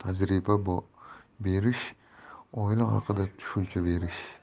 bo'lsa da tajriba berish oila haqida tushuncha berish